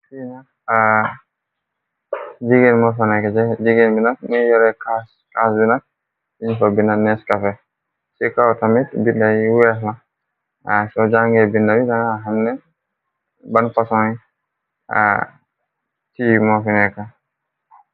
Fiinak a jigéen moofenekaex jigéen binag niy yole kajunak fiñfa bina nees kafe ci kow tamit bi day weexlaso jàngee bina bi danga xamne ban pasonci mofeneka.